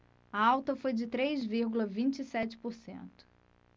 a alta foi de três vírgula vinte e sete por cento